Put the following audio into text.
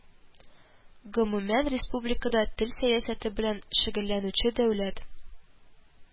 Гомумән, республикада тел сәясәте белән шөгыльләнүче дәүләт